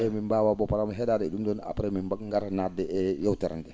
e min mbaawa ba pa* he?aade ?um ?oon après min gara naatde e yeewtere ndee